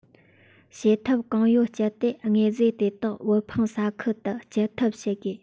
བྱེད ཐབས གང ཡོད སྤྱད དེ དངོས རྫས དེ དག དབུལ ཕོངས ས ཁུལ དུ སྐྱེལ ཐབས བྱ དགོས